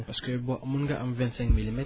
parce que bon mun nga am vingt cinq milimètres